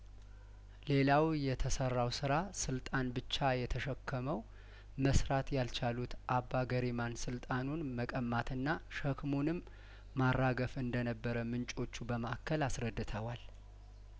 ሌላው የተሰራው ስራ ስልጣን ብቻ የተሸክመው መስራት ያልቻሉት አባ ገሪማን ስልጣኑን መቀማትና ሸክሙንም ማራገፍ እንደነበረ ምንጮቹ በማከል አስረድተዋል